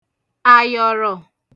àyọ̀rọ̀